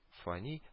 Фани